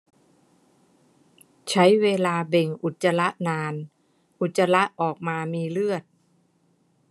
ใช้เวลาเบ่งอุจจาระนานอุจจาระออกมามีเลือด